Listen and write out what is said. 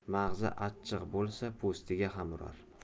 mag'iz achchiq bo'lsa po'stiga ham urar